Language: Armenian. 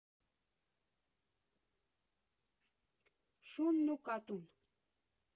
Շունն ու կատուն։